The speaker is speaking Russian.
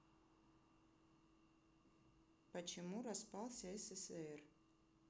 почему распался ссср